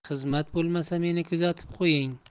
xizmat bo'lmasa meni kuzatib qoying